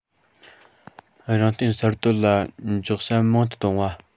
རང བརྟེན གསར གཏོད ལ འཇོག བྱ མང དུ གཏོང བ